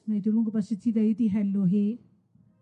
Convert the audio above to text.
###neu dwi'm yn gwybo sut i ddeud 'i henw hi.